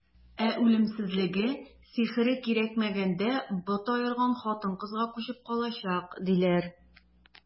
Ә үлемсезлеге, сихере кирәкмәгәндә бот аерган кыз-хатынга күчеп калачак, диләр.